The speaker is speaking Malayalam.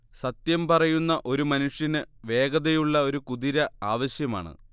സത്യം പറയുന്ന ഒരു മനുഷ്യന് വേഗതയുള്ള ഒരു കുതിര ആവശ്യമാണ്